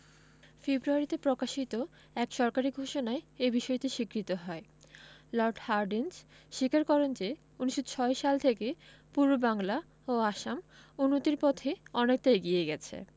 ফেব্রুয়ারিতে প্রকাশিত এক সরকারি ঘোষণায় এ বিষয়টি স্বীকৃত হয় লর্ড হার্ডিঞ্জ স্বীকার করেন যে ১৯০৬ সাল থেকে পূর্ববাংলা ও আসাম উন্নতির পথে অনেকটা এগিয়ে গেছে